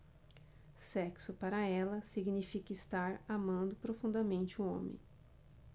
sexo para ela significa estar amando profundamente um homem